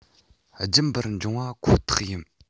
རྒྱུན པར འབྱུང བ ཁོ ཐག ཡིན